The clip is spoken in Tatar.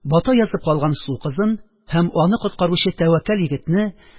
Бата язып калган «су кызы»н һәм аны коткаручы тәвәккәл егетне